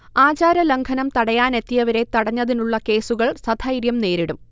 ആചാരലംഘനം തടയാനെത്തിയവരെ തടഞ്ഞതിനുള്ള കേസുകൾ സധൈര്യം നേരിടും